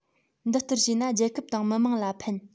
འདི ལྟར བྱས ན རྒྱལ ཁབ དང མི དམངས ལ ཕན